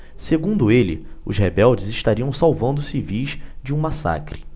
segundo ele os rebeldes estariam salvando os civis de um massacre